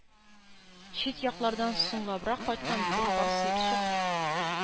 Чит яклардан соңлабрак кайткан бер пар сыерчык